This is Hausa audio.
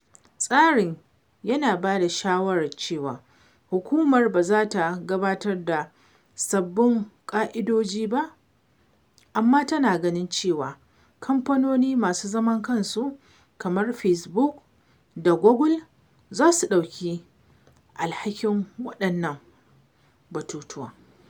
Tsarin yana ba da shawarar cewa Hukumar ba za ta gabatar da sabbin ƙa’idoji ba, amma tana ganin cewa kamfanoni masu zaman kansu kamar Facebook da Google za su ɗauki alhakin waɗannan batutuwan.